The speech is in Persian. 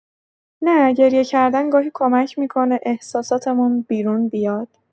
نه، گریه‌کردن گاهی کمک می‌کنه احساساتمون بیرون بیاد.